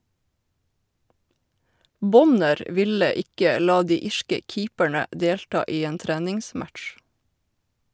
Bonner ville ikke la de irske keeperne delta i en treningsmatch.